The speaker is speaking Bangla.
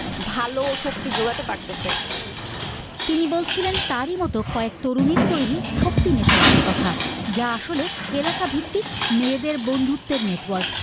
ভালো শক্তি যোগাতে পারতেছে তিনি বলছিলেন তারই মত কয়েক জনের তৈরি শক্তি নেটওয়ার্কের কথা যা আসলে এলাকা ভিত্তিক মেয়েদের বন্ধুত্বের নেটওয়ার্ক